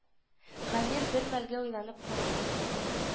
Гамир бер мәлгә уйланып калды